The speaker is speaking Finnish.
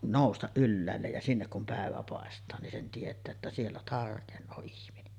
nousta ylhäälle ja sinne kun päivä paistaa niin sen tietää että siellä tarkenee ihminen